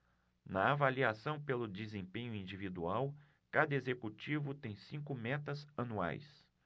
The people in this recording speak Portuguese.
na avaliação pelo desempenho individual cada executivo tem cinco metas anuais